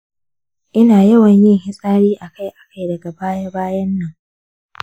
ina yawan yin fitsari akai-akai daga baya-bayan nan.